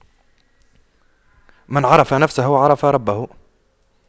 من عرف نفسه عرف ربه